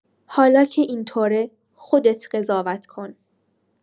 حالا که اینطوره خودت قضاوت کن.